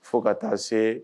Fo ka taa se